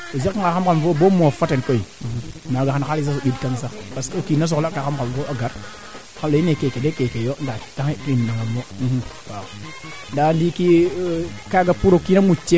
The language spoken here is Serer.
sax kee parce que taux de carbonne fee kaa doxel carbonne fee ando naye laŋ kaa ñoow tan maaga yee kamb noona koo doxin to tiye refee mbindel mborke soom kaa jeg kaa ando naye kaa jeg no laŋ ke a ñoowa laŋ ke a ñoowa laŋ ke aussi